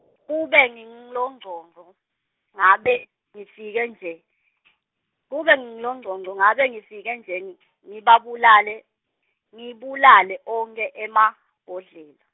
kube nginguLogcogco, ngabe, ngifike nje , kube nginguLogcogco ngabe ngifike nje n- , ngibabulale, ngibulale onkhe emabhodlela.